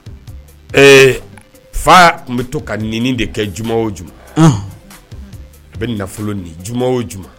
Ee Fa kun bi to ka ni ni de kɛ juma o juma . Ɔnhɔn A bɛ nafolo ni juma o juma.